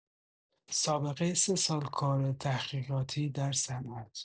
سابقه ۳ سال کار تحقیقاتی در صنعت